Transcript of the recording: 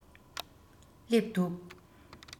སླེབས འདུག